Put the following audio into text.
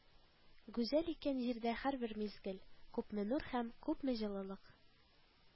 Гүзәл икән җирдә һәрбер мизгел, Күпме нур һәм күпме җылылык